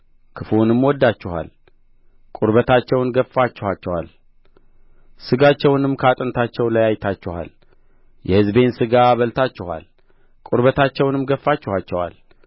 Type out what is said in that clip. ክፉውንም ወድዳችኋል ቁርበታቸውን ገፍፋችኋቸዋል ሥጋቸውንም ከአጥንታቸው ለያይታችኋል የሕዝቤን ሥጋ በልታችኋል ቁርበታቸውንም ገፍፋችኋቸዋል